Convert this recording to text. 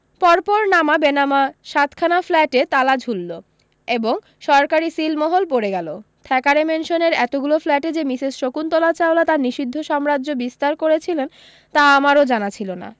পরপর নামা বেনামা সাতখানা ফ্ল্যাটে তালা ঝুললো এবং সরকারী সীলমোহর পড়ে গেলো থ্যাকারে ম্যানসনের এতোগুলো ফ্ল্যাটে যে মিসেস শকুন্তলা চাওলা তার নিসিদ্ধ সাম্রাজ্য বিস্তার করেছিলেন তা আমারও জানা ছিল না